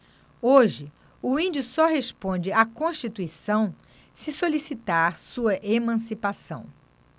hoje o índio só responde à constituição se solicitar sua emancipação